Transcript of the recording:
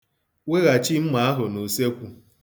Weghachi mma ahụ n'usekwu